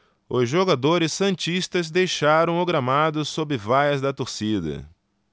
os jogadores santistas deixaram o gramado sob vaias da torcida